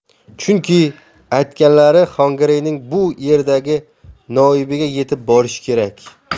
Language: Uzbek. chunki aytganlari xongireyning bu yerdagi noibiga yetib borishi kerak